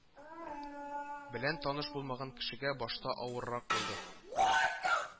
Белән таныш булмаган кешегә, башта авыррак булды